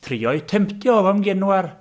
Trio'u temtio efo'm genwair...